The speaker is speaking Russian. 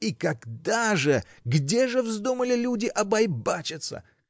-- И когда же, где же вздумали люди обайбачиться?